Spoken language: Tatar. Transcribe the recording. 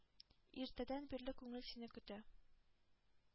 Иртәдән бирле күңел сине көтә.